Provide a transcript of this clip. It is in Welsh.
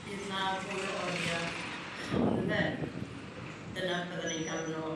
bydd 'na fwy o oria' hamdden dyna byddan i'n galw nhw